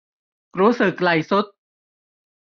รู้สึกไหล่ทรุด